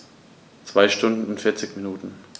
2 Stunden und 40 Minuten